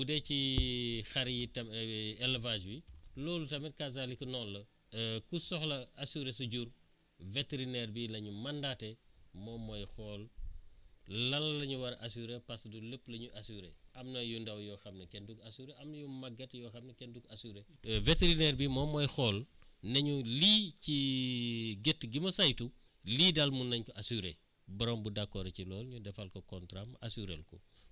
bu dee ci xar yi tam élevage bi loolu tamit kasaalika noonu la ku soxla assurer sa jur vétérinaire bi la ñu mandaté moom mooy xool lan la ñu war a assurer parce du lépp la ñuy assurer am na yu ndaw yoo xam ne kenn du ko assurer am na yu màggat yoo xam ne kenn du ko assurer vétérinaire bi moom mooy xool ne ñu lii ci gétt gi ma saytu lii daal mun nañ ko assurer borom bu d' accord ci loolu énu defal ko contrat assuré ko